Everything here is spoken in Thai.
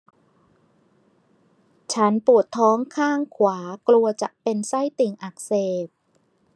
ฉันปวดท้องข้างขวากลัวจะเป็นไส้ติ่งอักเสบ